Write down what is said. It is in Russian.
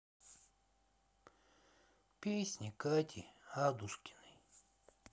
песни кати адушкиной